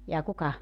jaa kuka